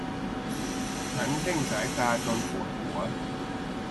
ฉันเพ่งสายตาจนปวดหัว